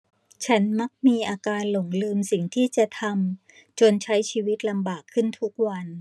ฉันมักมีอาการหลงลืมสิ่งที่จะทำจนใช้ชีวิตลำบากขึ้นทุกวัน